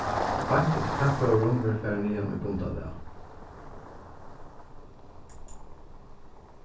og beint eftir kappróðurin verður farið niðan í gundadal